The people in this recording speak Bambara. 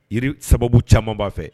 Yiri sababu caman b'a fɛ